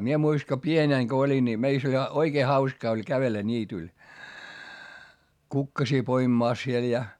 minä muistan kun pienenä kun olin niin meistä oli ja oikein hauskaa oli kävellä niityllä kukkasia poimimassa siellä ja